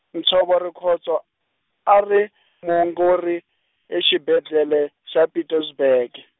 Nsovo Rikhotso, a ri, muongori, exibedlele, xa Pietersburg.